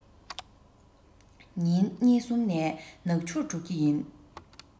ཉིན གཉིས གསུམ ནས ནག ཆུར འགྲོ གི ཡིན